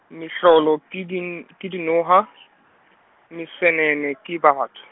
mehlolo ke din-, ke dinoha, mesenene ke batho.